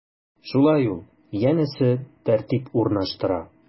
Шулай ул, янәсе, тәртип урнаштыра.